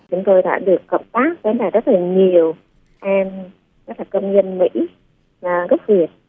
chúng tôi đã được hợp tác này rất là nhiều em rất là công dân mỹ gốc việt